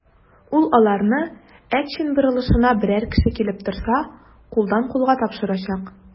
Ул аларны Әкчин борылышына берәр кеше килеп торса, кулдан-кулга тапшырачак.